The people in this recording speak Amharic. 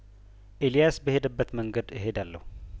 ኤልያስ በሄደበት መንገድ እሄዳለሁ